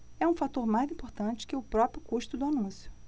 é um fator mais importante que o próprio custo do anúncio